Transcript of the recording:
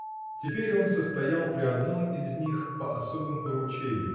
Теперь он состоял при одном из них по особым поручениям.